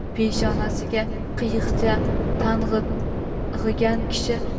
peshonasiga qiyiqcha tang'igan kishi